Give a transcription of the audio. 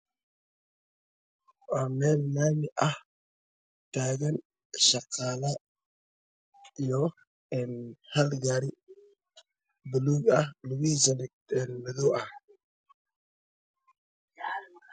Waa meel laami ah taagan shaqaalo iyo hal gaari baluug ah lugihiisana madow ah.